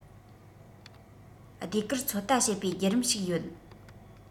ཟློས གར ཚོད ལྟ བྱེད པའི བརྒྱུད རིམ ཞིག ཡོད